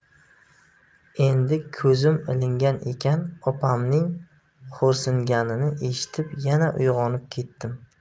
endi ko'zim ilingan ekan opamning xo'rsinganini eshitib yana uyg'onib ketdim